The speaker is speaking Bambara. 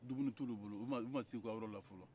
dumuni t'olu bolo olu ma s'u ka yɔrɔ la fɔlɔ